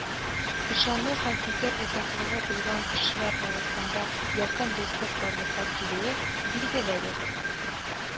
Ышану һәм фикер уртаклыгы булган кешеләр арасында якын дуслык барлыкка килүе билгеледер